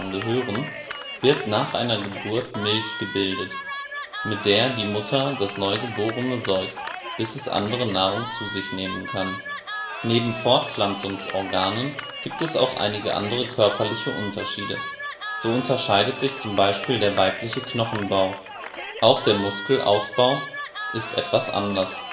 gehören, wird nach einer Geburt Muttermilch gebildet, mit der die Mutter das Neugeborene säugt, bis es andere Nahrung zu sich nehmen kann. Neben Fortpflanzungsorganen, gibt es auch einige andere körperliche Unterschiede. So unterscheidet sich z. B. der weibliche Knochenbau (besonders im Becken und im Gesicht) geringfügig, auch der Muskelaufbau ist etwas anders